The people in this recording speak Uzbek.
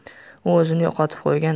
u o'zini yo'qotib qo'ygan